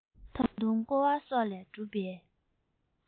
ད དུང ཀོ བ སོགས ལས གྲུབ པའི